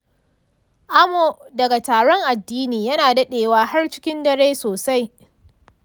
amo daga taron addini yana daɗewa har cikin dare sosai.